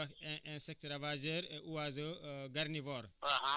ñu ngi koy wax in insectes ravageurs et oiseaux garnivores